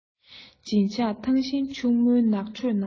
བྱིན ཆགས ཐང ཤིང ཕྱུག མོའི ནགས ཁྲོད ན